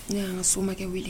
Ne y'an ka somakɛ wele